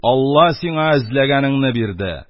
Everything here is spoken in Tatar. Алла сиңа эзләгәнеңне бирде..